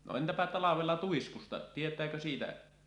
no entäpä talvella tuiskusta tietääkö siitä